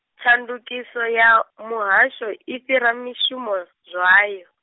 tshandukiso ya, muhasho, i fhira mishumo, zwayo.